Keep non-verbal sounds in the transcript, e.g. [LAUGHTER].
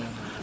[HESITATION] [HESITATION]